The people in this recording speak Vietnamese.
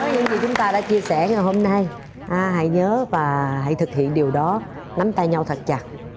ta đã chia sẻ ngày hôm nay hãy nhớ và hãy thực hiện điều đó nắm tay nhau thật chặt